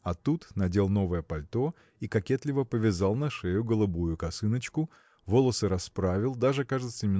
а тут надел новое пальто и кокетливо повязал на шею голубую косыночку волосы расправил даже кажется